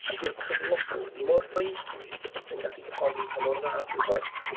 A di'r cyflogwr ddim o'r reidrwydd yn gallu profi pa mo'r dda di'r gwaith.